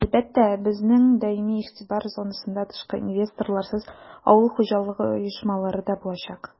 Әлбәттә, безнең даими игътибар зонасында тышкы инвесторларсыз авыл хуҗалыгы оешмалары да булачак.